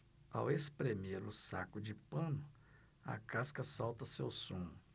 ao espremer o saco de pano a casca solta seu sumo